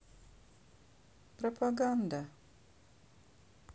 пропаганда